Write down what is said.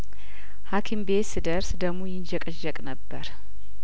ሀኪም ቤት ስደርስ ደሙ ይንዠቀዠቅ ነበር